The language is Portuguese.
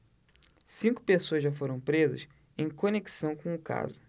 cinco pessoas já foram presas em conexão com o caso